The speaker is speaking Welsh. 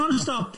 Ond stop!